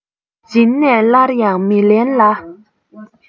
བྱིན ནས སླར ཡང མི ལེན ལ